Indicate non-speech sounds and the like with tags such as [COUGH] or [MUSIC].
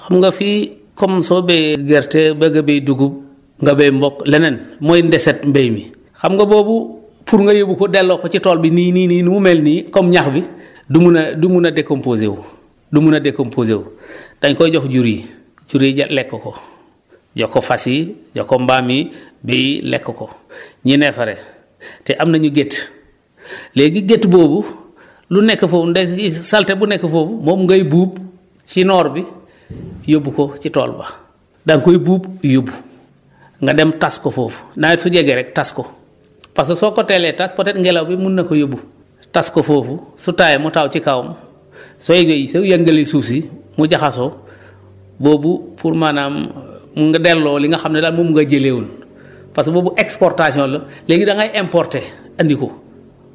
xam nga fii comme soo béyee gerte bëgg a béy dugub nga béy mboq leneen mooy ndeset mbéy mi xam nga boobu pour nga yóbbu ko delloo ko ci tool bi nii nii nii nu mu mel nii comme ñax bi du mun a du mun a décomposé wu du mun a décompé wu [BREATH] da nga koy jox jur yi jur yi lekk ko jox ko fas yi jox ko mbaam yi béy yi lekk ko [BREATH] ñu neefere te ma nañu gétt [BREATH] léegi gétt boobu lu nekk foofu ndesi saleté bu nekk foofu moom ngay buub ci noor bi [NOISE] yóbbu ko ci tool ba da nga koy buub yóbbu nga dem tas ko foofu nawet su jegee rek tas ko parce que soo ko teelee tas peut être ngelaw bi mun na ko yóbbu tas ko foofu su tawee mu taw ci kawam [BREATH] sooy béy soo yëngalee suuf si mu jaxasoo boobu pour maanaam [HESITATION] nga delloo li nga xam ne daal moom nga jëlee woon parce que boobu exportation la léegi da ngay importer andi ko